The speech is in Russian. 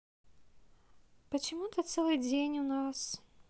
почему то целый день у нас